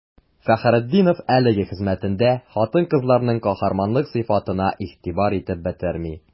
Фәхретдинов әлеге хезмәтендә хатын-кызларның каһарманлылык сыйфатына игътибар итеп бетерми.